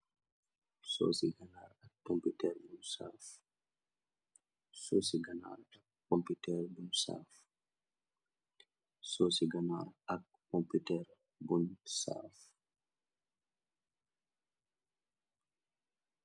Soucci ganar ak pompitirr bounyou saff